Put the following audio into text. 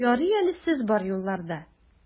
Ярый әле сез бар юлларда!